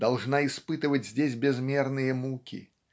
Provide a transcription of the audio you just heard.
должна испытывать здесь безмерные муки.